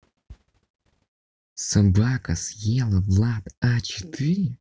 собака съела влад а четыре